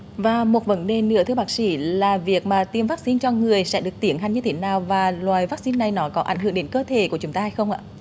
và một vấn đề nữa thưa bác sĩ là việc mà tiêm vắc xin cho người sẽ được tiến hành như thế nào và loại vắc xin này nó có ảnh hưởng đến cơ thể của chúng ta không ạ